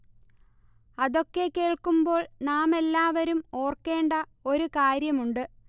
അതൊക്കെ കേൾകുമ്പോൾ നാമെല്ലാവരും ഓർക്കേണ്ട ഒരു കാര്യമുണ്ട്